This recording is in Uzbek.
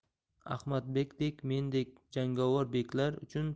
ahmadbekdek mendek jangovar beklar uchun